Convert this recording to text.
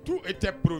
Tout était pro